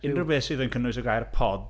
Unrhyw beth sydd yn cynnwys y gair pod.